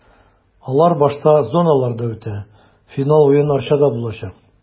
Алар башта зоналарда үтә, финал уен Арчада булачак.